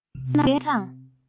རིག པའི རྣམ གྲངས